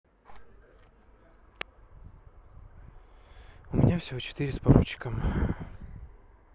у меня всего четыре с поручиком